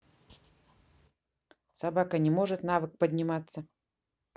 собака не может навык подниматься